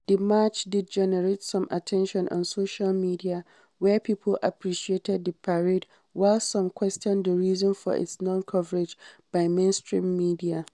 The march did generate some attention on social media where people appreciated the parade while some questioned the reason for its non-coverage by mainstream media.